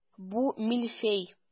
Бу мильфей.